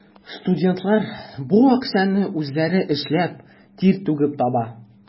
Студентлар бу акчаны үзләре эшләп, тир түгеп таба.